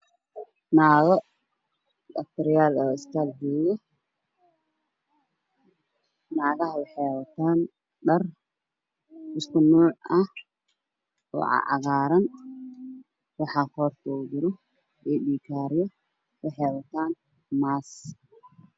Naago dhaqtar yaal ah oo isbitaal jooga waxey wataan dhar cadaan ah